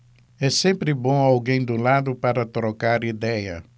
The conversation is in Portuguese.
é sempre bom alguém do lado para trocar idéia